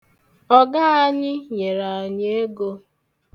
Ọga anyị nyere anyị ego.